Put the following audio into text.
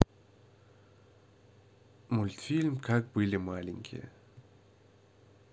мультфильм как были маленькие